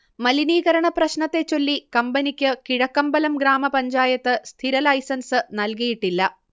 മലിനീകരണപ്രശ്നത്തെച്ചൊല്ലി കമ്പനിക്ക് കിഴക്കമ്പലം ഗ്രാമപഞ്ചായത്ത് സ്ഥിരലൈസൻസ് നൽകിയിട്ടില്ല